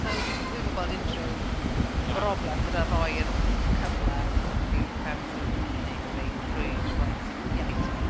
So wi ddim yn gweld unrhyw... na. ...broblem gyda roi'r cyfle ar ein fewnrwyd ni neu ar ein rhwydwaith iaith ni.